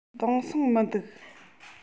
དེང སང མི འདུག